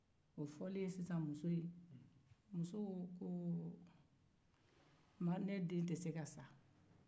o fɔlen muso ye a ko k'ale den tɛ se ka sa